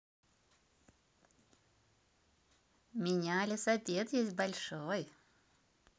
меня лисапед есть большой